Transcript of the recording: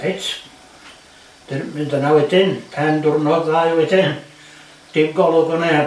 Reit mynd yna wedyn pen diwrnod ddau wedyn dim golwg o neb.